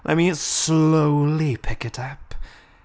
Let me slowly pick it up.